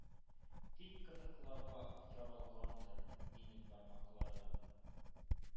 Тик кытыкларга яралгандыр минем бармакларым;